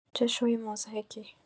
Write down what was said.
چه شوی مضحکی